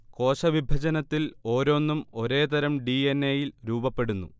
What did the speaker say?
കോശവിഭജനത്തിൽ ഓരോന്നും ഒരേ തരം ഡി. എൻ. എയിൽ രൂപപ്പെടുന്നു